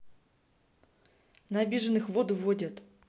на обиженых воду водят